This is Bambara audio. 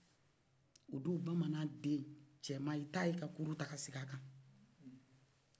o do bamanan den cɛma i t'a ye ka kuru ta k'a sig'akan